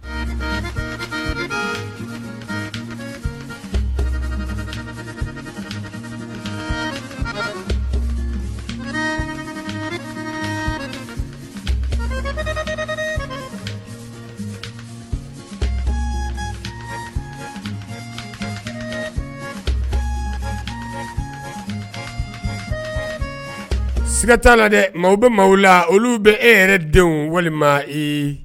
Maa siga t'a la dɛ maa bɛ maa la olu bɛ e yɛrɛ denw walima i